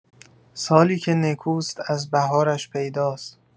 سالی که نکوست از بهارش پیداست!